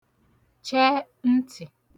chẹ ntị